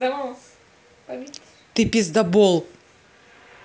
ты пиздабол